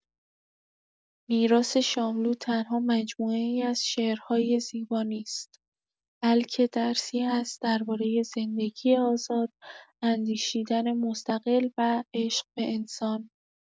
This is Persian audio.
میراث شاملو تنها مجموعه‌ای از شعرهای زیبا نیست، بلکه درسی است درباره زندگی آزاد، اندیشیدن مستقل و عشق به انسان.